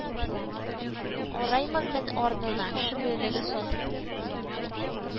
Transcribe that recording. Араймын мен арнына, шөмелеге сатып